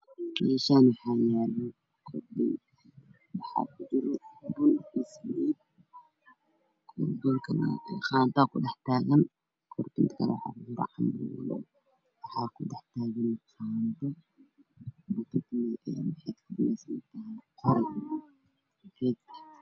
Waxaa ka muuqda weelasha hiddaha iyo dhaqanka oo ay ku jiraan bun iyo galley